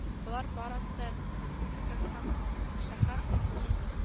Болар барысы да республика һәм шәһәр хаки